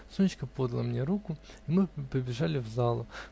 Сонечка подала мне руку, и мы побежали в залу.